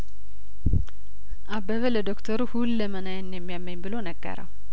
አበበ ለዶክተሩ ሁለመናዬን ነው የሚያመኝ ብሎ ነገረው